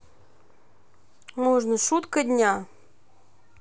можно шутка дня